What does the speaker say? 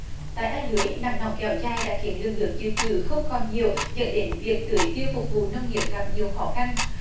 tại a lưới nắng nóng kéo dài đã khiến lượng nước dự trữ không còn nhiều dẫn đến việc tưới tiêu phục vụ nông nghiệp gặp nhiều khó khăn